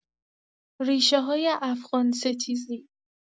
ریشه‌های افغان‌ستیزی